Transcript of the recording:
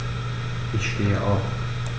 Ich stehe auf.